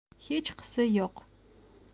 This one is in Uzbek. hechqisi yo'q